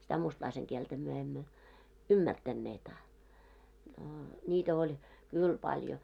sitä mustalaisen kieltä me emme ymmärtäneet a no niitä oli kyllä paljon